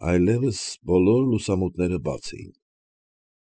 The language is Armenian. Այլևս բոլոր լուսամուտները բաց էին։